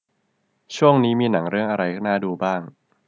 ช่วงนี้มีหนังเรื่องอะไรน่าดูบ้าง